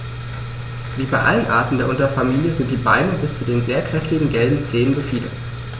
Wie bei allen Arten der Unterfamilie sind die Beine bis zu den sehr kräftigen gelben Zehen befiedert.